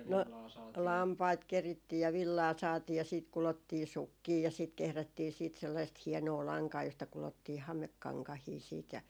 no lampaita kerittiin ja villaa saatiin ja siitä kudottiin sukkia ja siitä kehrättiin sitten sellaista hienoa lankaa josta kudottiin hamekankaita sitten ja